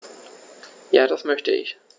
Ja, das möchte ich.